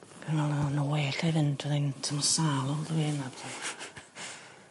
O'n i me'wl o no way 'llai fynd fyddai'n tymlo sâl .